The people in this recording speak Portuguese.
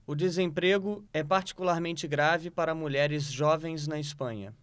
o desemprego é particularmente grave para mulheres jovens na espanha